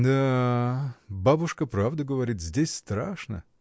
— Да, бабушка правду говорит: здесь страшно!